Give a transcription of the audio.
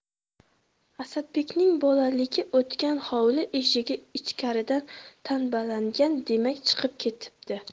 asadbekning bolaligi o'tgan hovli eshigi ichkaridan tanbalangan demak chiqib ketibdi